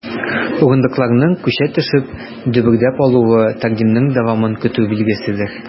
Урындыкларның, күчә төшеп, дөбердәп алуы— тәкъдимнең дәвамын көтү билгеседер.